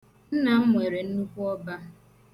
Nna m nwere nnukwu ọba.